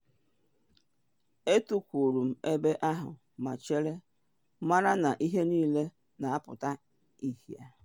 Etukwuru m ebe ahụ ma chere, mara na ihe niile na apụta ihie.